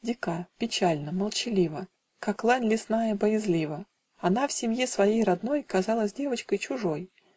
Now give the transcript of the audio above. Дика, печальна, молчалива, Как лань лесная боязлива, Она в семье своей родной Казалась девочкой чужой.